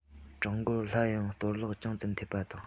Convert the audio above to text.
ཀྲུང གོར སླར ཡང གཏོར བརླག ཅུང ཙམ ཐེབས པ དང